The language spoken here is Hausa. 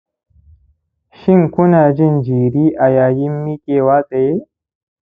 shin ku na jin jiri a yayin miƙewa tsaye